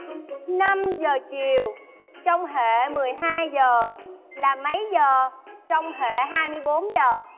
năm giờ chiều trong hệ mười hai giờ là mấy giờ trong hệ hai mươi bốn giờ